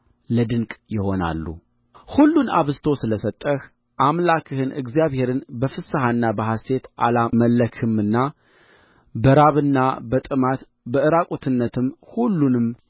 ለድንቅ ይሆናሉ ሁሉን አብዝቶ ስለ ሰጠህ አምላክህን እግዚአብሔርን በፍሥሐና በሐሤት አላመለክህምና በራብና በጥማት በዕራቁትነትም ሁሉንም